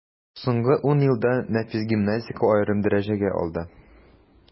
Соңгы ун елда нәфис гимнастика аерым дәрәҗәгә алды.